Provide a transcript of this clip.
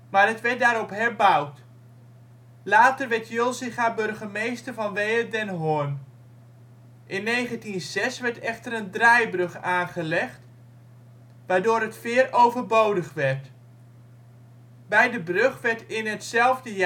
maar het werd daarop herbouwd. Later werd Julsinga burgemeester van Wehe-den Hoorn. In 1906 werd echter een draaibrug aangelegd, waardoor het veer overbodig werd. Bij de brug werd in hetzelfde